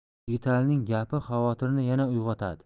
yigitalining gapi xavotirini yana uyg'otadi